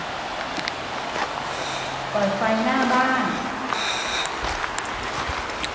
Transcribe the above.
เปิดไฟหน้าบ้าน